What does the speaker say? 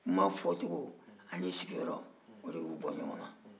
kuma fɔcogo ani sigiyɔrɔ o de y'u bɔ gɔɲɔn na